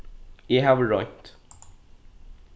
eg havi roynt